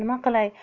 nima qilay